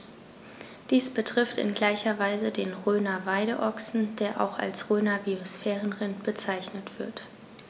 Dies betrifft in gleicher Weise den Rhöner Weideochsen, der auch als Rhöner Biosphärenrind bezeichnet wird.